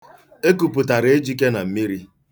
E kupụtara Ejike na mmiri.